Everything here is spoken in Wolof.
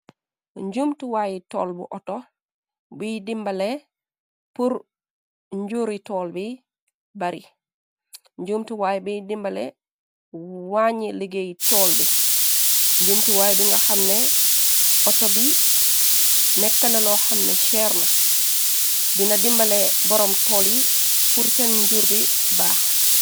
Njuumtuwaayi toll bu auto biy dimbale pur njuri toll bi bari njumtuwaay biy dimbale wàññi liggéey toll bi njumtuwaay bi nga xamne outo bi nekkana loo xamne cheerna dina dimbale boroom toll yi pur seen njurbi baax.